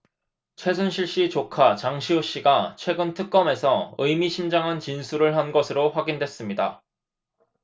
최순실 씨 조카 장시호 씨가 최근 특검에서 의미심장한 진술을 한 것으로 확인됐습니다